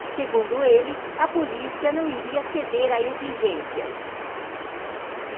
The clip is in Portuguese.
segundo ele a polícia não iria ceder a exigências